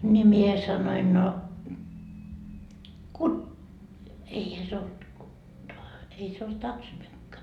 niin minä sanoin no - eihän se ollut ei se ollut tack så mycket